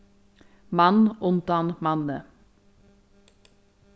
mann undan manni